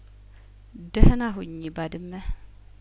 ደህና ሁኚ ባድመ